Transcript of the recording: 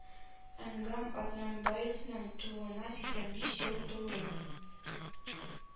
Әнгам Атнабаевның тууына сиксән биш ел тулуын